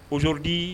Ozodi